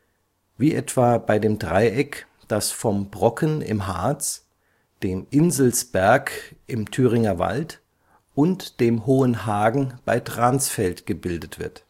Wie etwa bei dem Dreieck, das vom Brocken im Harz, dem Inselsberg im Thüringer Wald und dem Hohen Hagen bei Dransfeld gebildet wird